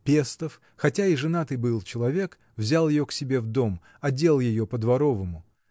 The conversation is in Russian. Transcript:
Пестов, хотя и женатый был человек, взял ее к себе в дом, одел ее по-дворовому.